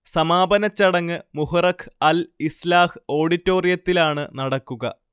സമാപനച്ചടങ്ങ് Muharraq Al Islah ഓഡിറ്റോറിയത്തിലാണ് നടക്കുക